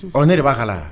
Ɔɔ ne de ba kala ?